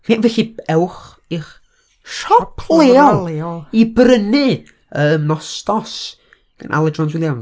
Ie, felly ewch i'ch siop leol i brynu, yym, 'Nostos' gan Alun Jones Williams.